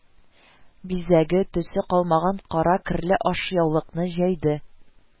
Бизәге, төсе калмаган кара керле ашъяулыкны җәйде